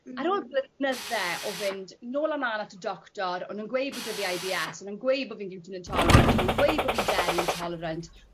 ar ôl blynydde o fynd nôl a mlan at y doctor o'n nw'n gweu' bo' 'dy fi Eye Bee Ess o'n nw'n gweu' bo' fi'n glutin intolerant o' nw'n gweud bo' fi'n dairy intolerant